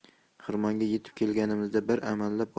xirmonga yetib kelganimizda bir